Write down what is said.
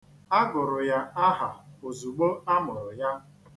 A gụrụ ya aha ozugbo a mụrụ ya.